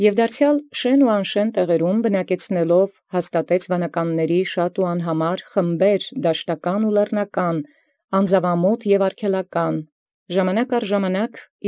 Եւ դարձեալ բազում և անհամար գունդս վանականաց ի շէնս և յանշէնս, դաշտականս և լեռնականս, անձաւամուտս և արգելականս բնակեցուցեալ հաստատէր։